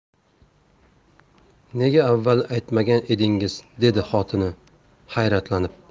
nega avval aytmagan edingiz dedi xotini hayratlanib